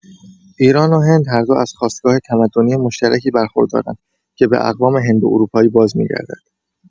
ایران و هند هر دو از خاستگاه تمدنی مشترکی برخوردارند که به اقوام هندواروپایی بازمی‌گردد.